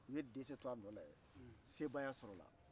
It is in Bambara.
o ye dɛsɛ to a nɔ la yen sebaaya sɔrɔ la